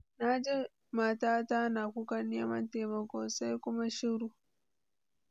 “Na ji matata na kukan neman taimako, sai kuma shiru.